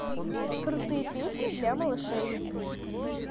крутые песни для малышей